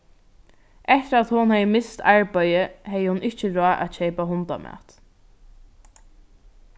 eftir at hon hevði mist arbeiðið hevði hon ikki ráð at keypa hundamat